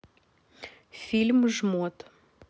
фильм жмот